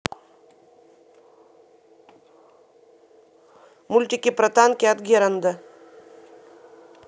мультики про танки от геранда